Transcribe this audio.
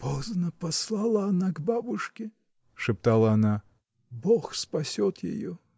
— Поздно послала она к бабушке, — шептала она, — Бог спасет ее!